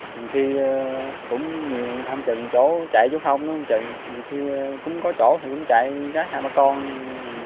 nhiều khi cũng như ham chừng chỗ chạy chỗ không nói không chừng nhiều khi cũng có chỗ thì cũng chạy gái hai ba con